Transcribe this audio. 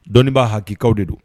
Dɔnninbaa hakikaw de don